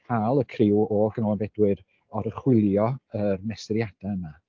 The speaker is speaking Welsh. Cael y criw o Ganolfan Bedwyr oruchwylio y mesuriadau yna.